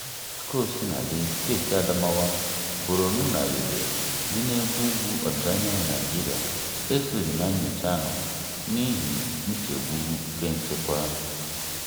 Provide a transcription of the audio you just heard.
Kaosinadị, steeti Adamawa, Boronu, na Yobe dị n'ebe ugwu ọdịdaanyanwụ Naịjirịa esoghị na nnyocha ahụ n'ihi nchegbu kenchekwa.